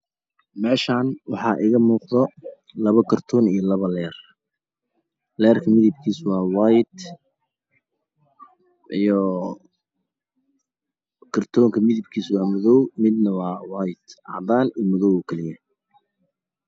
Meeshaan waxaa iiga muuqdo labo kartoon iyo labo layr . Layrka midabkiisu waa cadaan iyo kartoonka midabkiisu waa madow midna waa cadaan ,cadaan iyo madow ayuu kala yahay